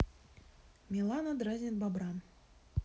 милана дразнит бобра